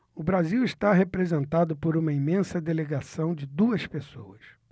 o brasil está representado por uma imensa delegação de duas pessoas